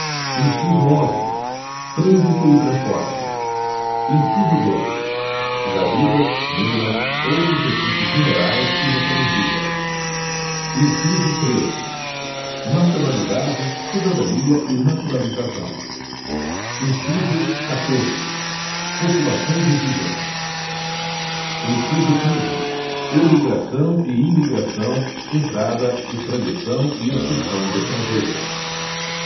inciso onze trânsito e transporte inciso doze jazidas minas outros recursos minerais e metalurgia inciso treze nacionalidade cidadania e naturalização inciso catorze populações indígenas inciso quinze emigração e imigração entrada extradição e expulsão de estrangeiros